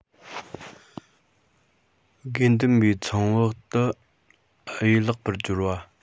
དགེ འདུན པའི ཚང བང དུ གཡོས ལེགས པར སྦྱོར བ